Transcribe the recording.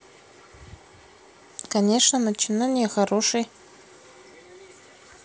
конечно начинания хороший